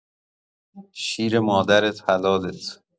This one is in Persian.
شیر مادرت حلالت